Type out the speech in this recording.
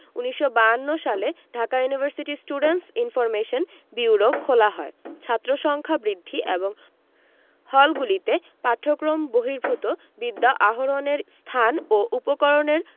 ১৯৫২ সালে Dhaka University Students Information Bureau খোলা হয় ছাত্রসংখ্যা বৃদ্ধি এবং হলগুলিতে পাঠক্রম বহির্ভূত বিদ্যা আহরণের স্থান ও উপকরণের